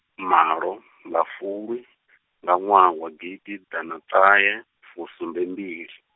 malo, ḽa fulwi, nga ṅwaha wa gidiḓaṱahefusumbembili.